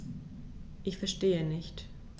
Ich verstehe nicht.